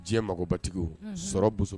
Diɲɛ magobatigiw sɔrɔ boso